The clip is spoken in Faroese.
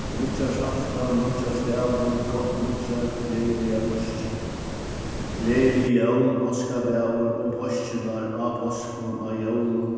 nýggjársaftan nýggjársdagur gott nýggjár gleðiligar páskir gleðilig jól páskadagur um páskirnar á páskum á jólum